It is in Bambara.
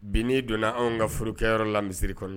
Bi' donna anw ka forokɛyɔrɔ la misisiriri kɔrɔ